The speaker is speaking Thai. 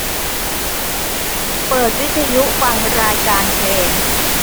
เปิดวิทยุฟังรายการเพลง